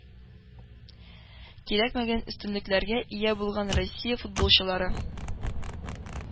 Кирәкмәгән өстенлекләргә ия булган россия футболчылары